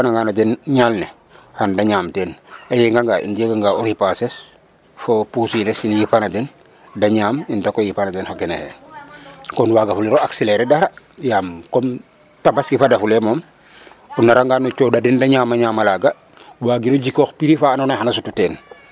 Um yipanangaan a den ñaal ne xan da ñaam teen a yenganga um jeganga o ripaases fo pursines um yipana den de ñaam um dak o yipan a den xa kene xe kon waagafuliro accelerer dara yaam comme tabaski fadafulee moom o narangaan o yodaden da ñaam, a ñaam alaga waagiro jikoox prix fa andoona yee xan a sutu teen.